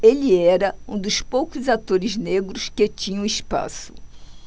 ele era um dos poucos atores negros que tinham espaço